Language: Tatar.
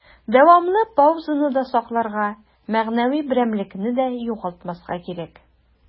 Дәвамлы паузаны да сакларга, мәгънәви берәмлекне дә югалтмаска кирәк.